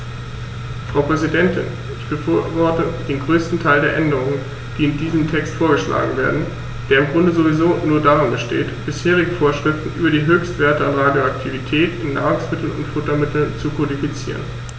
Frau Präsidentin, ich befürworte den größten Teil der Änderungen, die in diesem Text vorgeschlagen werden, der im Grunde sowieso nur darin besteht, bisherige Vorschriften über die Höchstwerte an Radioaktivität in Nahrungsmitteln und Futtermitteln zu kodifizieren.